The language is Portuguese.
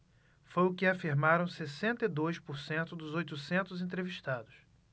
foi o que afirmaram sessenta e dois por cento dos oitocentos entrevistados